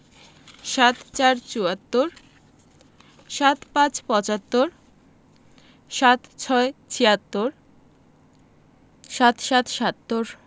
৭৪ চুয়াত্তর ৭৫ পঁচাত্তর ৭৬ ছিয়াত্তর ৭৭ সাত্তর